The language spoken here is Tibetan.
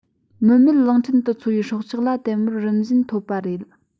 མི མེད གླིང ཕྲན དུ འཚོ བའི སྲོག ཆགས ལ དལ མོར རིམ བཞིན ཐོབ པ རེད